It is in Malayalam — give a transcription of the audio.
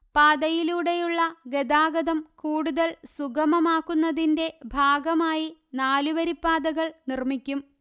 പാതയിലൂടെയുള്ള ഗതാഗതം കൂടുതൽ സുഗമമാക്കുന്നതിന്റെ ഭാഗമായി നാലുവരിപാതകൾ നിർമിക്കും